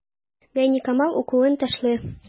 Гайникамал укуын ташлый.